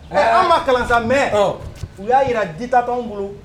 Ɛɛ an ma kalan sa mais u y'a jira dita tɛ anw bolo